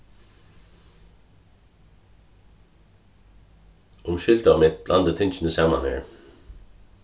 umskylda um eg blandi tingini saman her